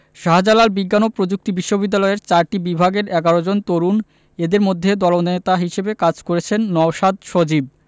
শাহজালাল বিজ্ঞান ও প্রযুক্তি বিশ্ববিদ্যালয়ের চারটি বিভাগের ১১ জন তরুণ এদের মধ্যে দলনেতা হিসেবে কাজ করেছেন নওশাদ সজীব